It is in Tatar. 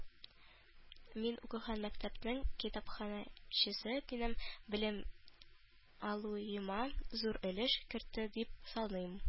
Мин укыган мәктәпнең китапханәчесе минем белем алуыма зур өлеш кертте дип саныйм